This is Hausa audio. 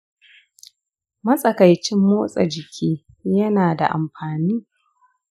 matsakaicin motsa jiki ya na da amfani